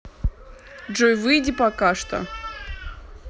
джой выйди пока что